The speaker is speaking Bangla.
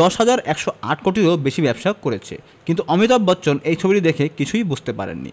১০১০৮ কোটিরও বেশি ব্যবসা করেছে কিন্তু অমিতাভ বচ্চন এই ছবিটি দেখে কিছুই বুঝতে পারেননি